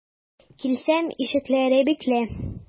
Килсәм, ишекләре бикле.